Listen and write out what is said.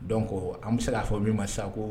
Donc an be se k'a fɔ min ma sisan ko